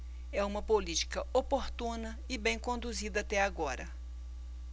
é uma política oportuna e bem conduzida até agora